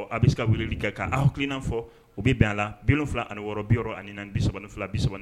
A bɛ se ka wulili kɛ kan hakil nina fɔ u bɛ bɛn a la bin fila ani ni wɔɔrɔ bi yɔrɔ ani na bi fila bi